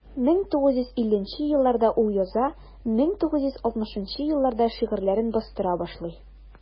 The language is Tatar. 1950 елларда ул яза, 1960 елларда шигырьләрен бастыра башлый.